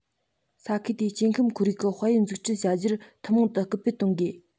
ས ཁུལ དེའི སྐྱེ ཁམས ཁོར ཡུག གི དཔལ ཡོན འཛུགས སྤེལ བྱ རྒྱུར ཐུན མོང དུ སྐུལ སྤེལ གཏོང དགོས